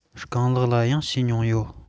རྐང ལག ལ ཡང བྱེད མྱོང ཡོད